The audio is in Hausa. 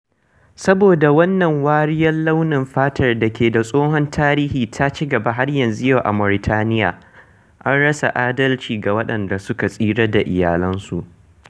Saboda wannan wariyar launin fatar da ke da tsohon tarihi ta cigaba har zuwa yau a Mauritaniya, an rasa adalci ga waɗanda suka tsira da iyalansu.